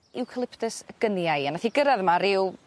Eucalyptus gunnii a nath 'i gyrradd yma ryw